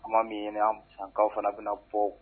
Kuma min ɲini ankaw fana bɛna bɔ